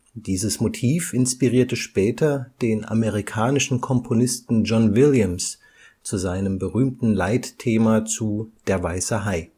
Dieses Motiv inspirierte später den amerikanischen Komponisten John Williams zu seinem berühmten Leitthema zu Der weiße Hai